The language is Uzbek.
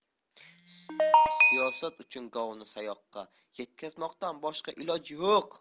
siyosat uchun govni yasoqqa yetkazmoqdan boshqa iloj yo'q